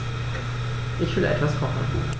Ich will etwas kochen.